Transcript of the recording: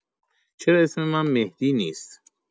چرا اسم من مهدی نیست؟